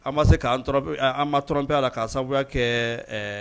An ma se k'an an ma tɔrɔ bɛ a la k' sababu kɛ